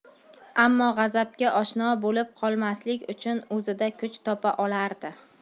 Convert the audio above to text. ammo g'azabga oshno bo'lib qolmaslik uchun o'zida kuch topa olardi